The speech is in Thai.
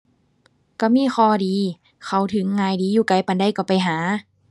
ก็มีข้อดี เข้าถึงง่ายดี อยู่ไกลปานใดก็ไปหา